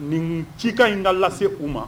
Nin cikan in ka lase u ma